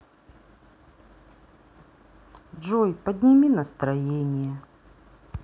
джой подними настроение